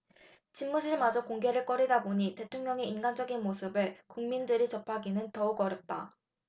집무실마저 공개를 꺼리다 보니 대통령의 인간적인 모습을 국민들이 접하기는 더욱 어렵다